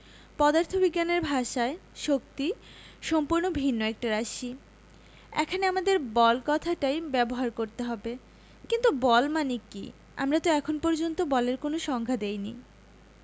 পদার্থবিজ্ঞানের ভাষায় শক্তি সম্পূর্ণ ভিন্ন একটা রাশি এখানে আমাদের বল কথাটাই ব্যবহার করতে হবে কিন্তু বল মানে কী আমরা তো এখন পর্যন্ত বলের কোনো সংজ্ঞা দিইনি